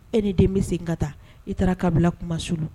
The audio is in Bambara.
E ni den bɛ se n ka taa i taara kabila kuma su